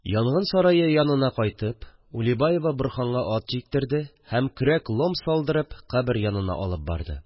Янгын сарае янына кайтып, Улибаева Борһанга ат җиктерде һәм көрәк-лом салдырып кабер янына алып барды